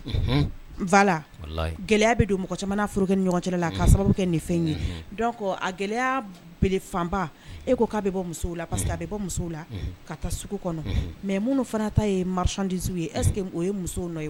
Gɛlɛya bɛ don mɔgɔ caman furu ni ɲɔgɔncɛ la k'a sababu kɛ fɛn ye a gɛlɛyaele fanba e ko k'a bɔ bɔ muso ka taa kɔnɔ mɛ minnu fana ta ye mari yeseke o ye muso ye